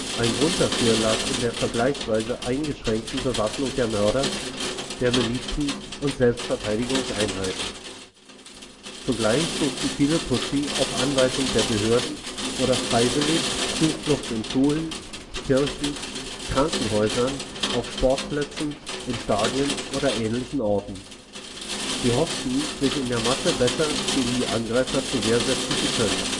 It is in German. Ein Grund dafür lag in der vergleichsweise eingeschränkten Bewaffnung der Mörder – der Milizen und „ Selbstverteidigungseinheiten “. Zugleich suchten viele Tutsi auf Anweisung der Behörden oder freiwillig Zuflucht in Schulen, Kirchen, Krankenhäusern, auf Sportplätzen, in Stadien und ähnlichen Orten. Sie hofften, sich in der Masse besser gegen die Angreifer zur Wehr setzen zu können